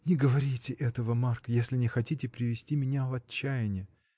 — Не говорите этого, Марк, если не хотите привести меня в отчаяние!